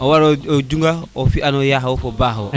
o waro junga o fiya na ya of fo ba of